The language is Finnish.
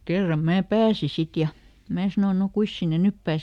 kerran minä pääsin sitten ja minä sanoin no kuinkas sinne nyt pääsee